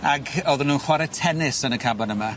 Ag o'dden nw'n chware tennis yn y caban yma.